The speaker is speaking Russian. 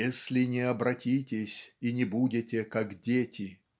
"если не обратитесь и не будете как дети".